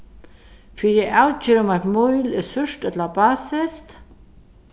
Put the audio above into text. fyri at avgera um eitt mýl er súrt ella basiskt